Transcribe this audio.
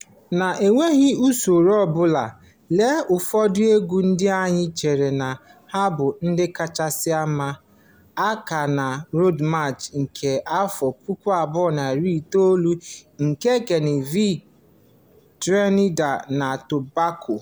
N'enweghị usoro ọ bụla, lee ụfọdụ egwu ndị anyị chere na ha bụ ndị kachasị ama aka na Road March nke 2019 nke Kanịva Trinidad na Tobago ...